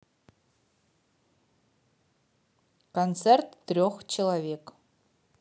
концерт трех человек